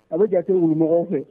A bɛ jatigi wumɔgɔw fɛ